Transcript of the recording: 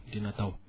dina taw